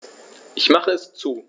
Ich mache es zu.